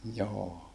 joo